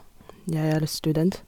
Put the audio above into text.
Jeg er student.